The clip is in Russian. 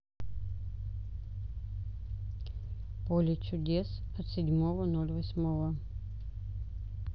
поле чудес от седьмого ноль восьмого